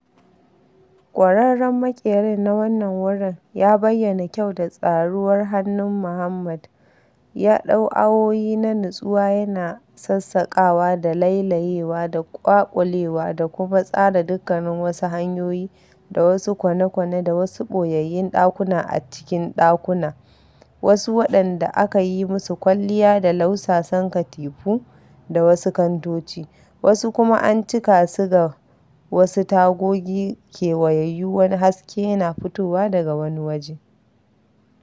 ƙwararren maƙerin na wannan wurin ya bayyana kyau da tsayuwar hannun Mohammed - ya ɗau awoyi na nutsuwa yana sassaƙawa da lailayewa da ƙwaƙulewa da kuma tsara dukkanin wasu hanyoyi da wasu kwane-kwane da wasu ɓoyayyun ɗakuna a cikin ɗakuna, wasu waɗanda aka yi musu kwalliya da lausasan katifu da wasu kantoci, wasu kuma an cika su ga wasu tagogi kewayayyu wani haske yana fitowa daga wani waje.